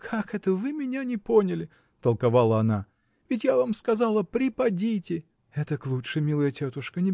-- Как это вы меня не поняли, -- толковала она, -- ведь я вам сказала: припадите. -- Этак лучше, милая тетушка